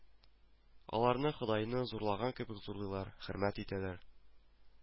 Аналарны Ходайны зурлаган кебек зурлыйлар, хөрмәт итәләр